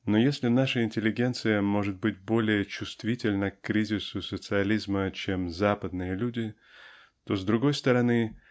Но если наша "интеллигенция" может быть более чувствительна к кризису социализма чем "западные" люди то с другой стороны